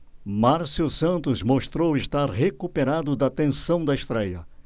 márcio santos mostrou estar recuperado da tensão da estréia